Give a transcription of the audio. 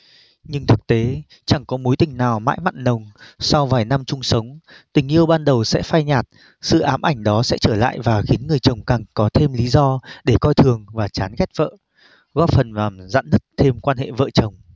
nhưng thực tế chẳng có mối tình nào mãi mặn nồng sau vài năm chung sống tình yêu ban đầu sẽ phai nhạt sự ám ảnh đó sẽ trở lại và khiến người chồng càng có thêm lý do để coi thường và chán ghét vợ góp phần làm rạn nứt thêm quan hệ vợ chồng